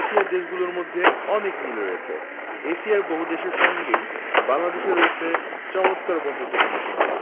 এশিয়ার দেশগুলোর মধ্যে অনেক মিল রয়েছেএশিয়ার বহুদেশের সঙ্গেই বাংলাদেশের রয়েছে চমৎকার বন্ধুত্বপূর্ণ সম্পর্ক